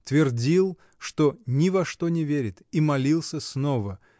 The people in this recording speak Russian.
твердил, что ни во что не верит, и молился снова